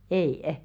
ei